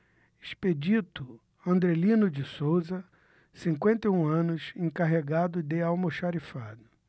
expedito andrelino de souza cinquenta e um anos encarregado de almoxarifado